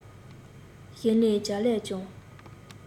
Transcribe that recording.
ཞེས ལན བརྒྱར ལབ ཀྱང